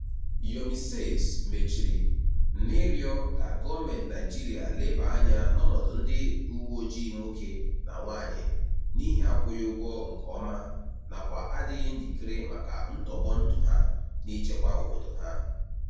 Yomi Says mechiri n'ịrịọ ka gọọmentị Naịjirịa lebaa anya n'ọnọdụ ndị uweojii nwoke na nwaanyị n'ihi akwụghị ụgwọ nkeọma nakwa adịghị njikere maka ntọgbọ ndụ ha n'ichekwa Obodo ha.